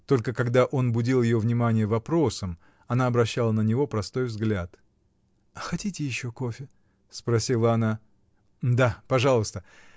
Только когда он будил ее внимание вопросом, она обращала на него простой взгляд. — Хотите еще кофе? — спросила она. — Да, пожалуйста.